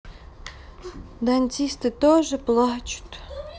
дантисты тоже плачут